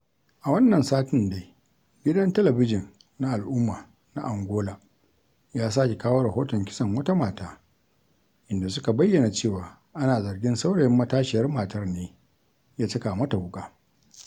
A wannan satin dai, gidan talabijin na al'umma na Angola ya sake kawo rahoton kisan wata mata, inda suka bayyana cewa ana zargin saurayin matashiyar matar ne ya caka mata wuƙa.